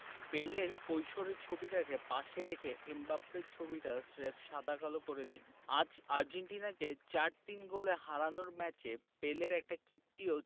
পেলের কৈশোরের ছবিটাকে পাশে রেখে এমবাপ্পের ছবিটা স্রেফ সাদা কালো করে দিন আজ আর্জেন্টিনাকে ৪ ৩ গোলে হারানোর ম্যাচে পেলের একটা কীর্তি ও